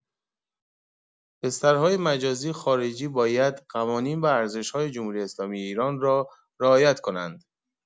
بسترهای مجازی خارجی باید قوانین و ارزش‌های جمهوری‌اسلامی ایران را رعایت کنند.